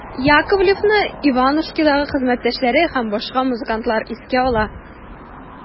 Яковлевны «Иванушки»дагы хезмәттәшләре һәм башка музыкантлар искә ала.